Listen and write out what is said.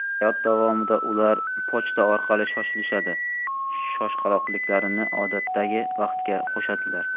hayot davomida ular pochta orqali shoshilishadi shoshqaloqliklarini odatdagi vaqtga qo'shadilar